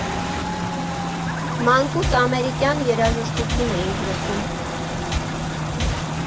Մանկուց ամերիկյան երաժշտություն էինք լսում։